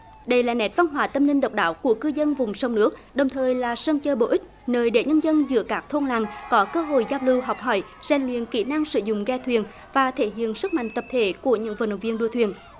đây là nét văn hóa tâm linh độc đáo của cư dân vùng sông nước đồng thời là sân chơi bổ ích nơi để nhân dân giữa các thôn làng có cơ hội giao lưu học hỏi rèn luyện kỹ năng sử dụng ghe thuyền và thể hiện sức mạnh tập thể của những vận động viên đua thuyền